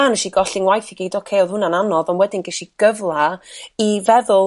a nesi gollin ngwaith i gyd oce o'dd hwnna'n anodd ond wedyn gesi gyfla i feddwl